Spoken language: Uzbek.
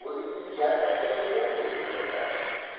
o'zingni jannatga kirganday sezasan